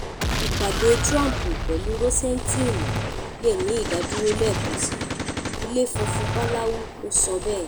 Ìpàdé Trump pẹ̀lú Rosenstein lé ní ìdádúró lẹ́ẹ̀kan síi, Ilé Funfun Báláu ló sọ bẹ́ẹ̀.